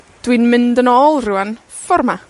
dwi'n mynd yn ôl, rŵan, ffor 'ma.